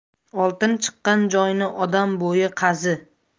oltin chiqqan joyni odam bo'yi qazi